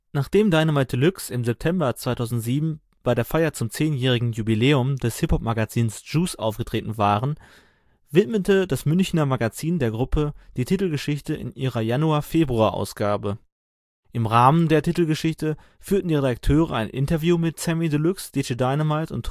Nachdem Dynamite Deluxe im September 2007 bei der Feier zum zehnjährigen Jubiläum des Hip-Hop-Magazins Juice aufgetreten waren, widmete das Münchener Magazin der Gruppe die Titelgeschichte in ihrer Januar/Februar-Ausgabe. Im Rahmen der Titelgeschichte führten die Redakteure ein Interview mit Samy Deluxe, DJ Dynamite und Tropf